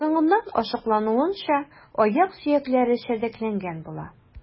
Соңыннан ачыклануынча, аяк сөякләре чәрдәкләнгән була.